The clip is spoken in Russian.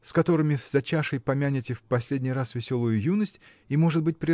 с которыми за чашей помянете в последний раз веселую юность и может быть